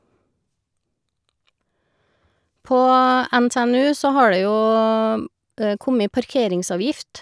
På NTNU så har det jo kommet parkeringsavgift.